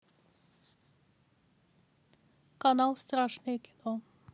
канал страшное кино